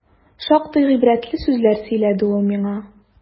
Шактый гыйбрәтле сүзләр сөйләде ул миңа.